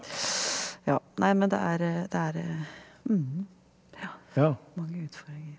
ja nei men det er det er ja mange utfordringer.